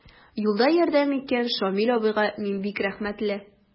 Юлда ярдәм иткән Шамил абыйга мин бик рәхмәтле.